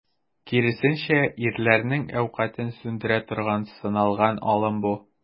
Киресенчә, ирләрнең әүкатен сүндерә торган, сыналган алым бу.